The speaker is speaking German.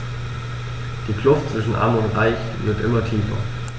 Die Kluft zwischen Arm und Reich wird immer tiefer.